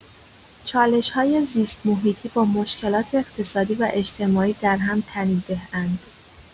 چالش‌های زیست‌محیطی با مشکلات اقتصادی و اجتماعی در هم تنیده‌اند.